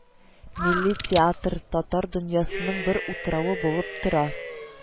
"милли театр - татар дөньясының бер утравы булып тора